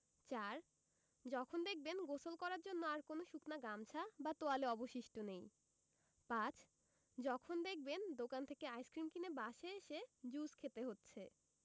৪. যখন দেখবেন গোসল করার জন্য আর কোনো শুকনো গামছা বা তোয়ালে অবশিষ্ট নেই ৫. যখন দেখবেন দোকান থেকে আইসক্রিম কিনে বাসায় এসে জুস খেতে হচ্ছে